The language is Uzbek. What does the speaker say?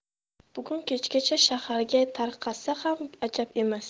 bugun kechgacha shaharga tarqasa ham ajab emas